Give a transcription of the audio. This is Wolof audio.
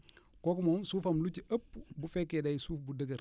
kooku moom suufam lu ci ëpp bu fekkee day suuf bu dëgër